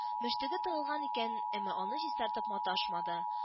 Мөштеге тыгылган икән, әмма аны чистартып маташмады